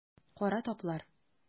Кара таплар.